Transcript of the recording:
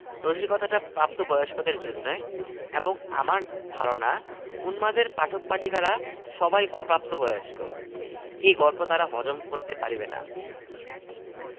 রসিকতাটা প্রাত বয়স্কদের জন্যে এবং আমার ধারণা উন্মাদের পাঠক পাঠিকারা সবাই অপ্রাতবয়স্ক এই গল্প তারা হজম করতে পারিবে না